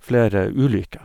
flere ulykker.